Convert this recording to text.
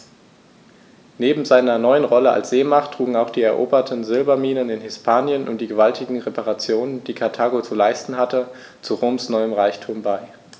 Neben seiner neuen Rolle als Seemacht trugen auch die eroberten Silberminen in Hispanien und die gewaltigen Reparationen, die Karthago zu leisten hatte, zu Roms neuem Reichtum bei.